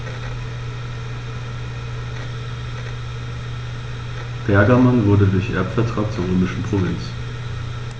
Pergamon wurde durch Erbvertrag zur römischen Provinz.